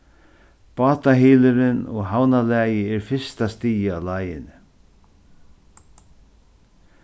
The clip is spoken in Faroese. bátahylurin og havnarlagið er fyrsta stigið á leiðini